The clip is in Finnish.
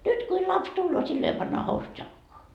nyt kun lapsi tulee silloin jo pannaan housut jalkaan